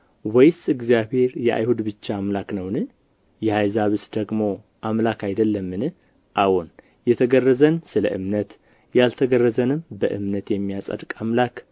ወይስ እግዚአብሔር የአይሁድ ብቻ አምላክ ነውን የአሕዛብስ ደግሞ አምላክ አይደለምን አዎን የተገረዘን ስለ እምነት ያልተገረዘንም በእምነት የሚያጸድቅ አምላክ